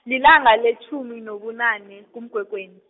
lilanga letjhumi nobunane, kuMgwengweni.